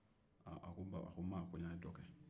a ko n ye do kɛ ma